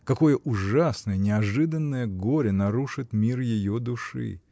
Какое ужасное, неожиданное горе нарушит мир ее души!